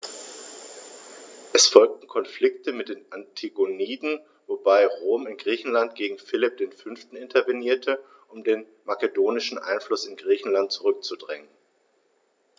Es folgten Konflikte mit den Antigoniden, wobei Rom in Griechenland gegen Philipp V. intervenierte, um den makedonischen Einfluss in Griechenland zurückzudrängen.